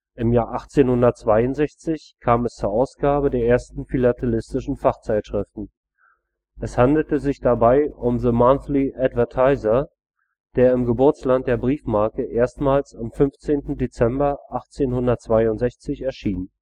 Im Jahr 1862 kam es zur Ausgabe der ersten philatelistischen Fachzeitschriften. Es handelt sich dabei um The Monthly Advertiser, der im Geburtsland der Briefmarke erstmals am 15. Dezember 1862 erschien